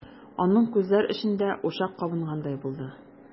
Аның күзләр эчендә учак кабынгандай булды.